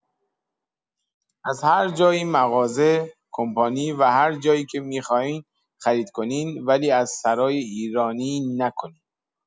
از هرجایی مغازه، کمپانی، و هر جایی که می‌خواین خرید کنین ولی از سرای ایرانی نکنین!